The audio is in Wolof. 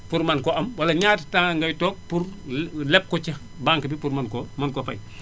pour mën ko am wala ñaata temps ngay toog pour leb ko ci banque bi pour mën ko mën ko mën ko fay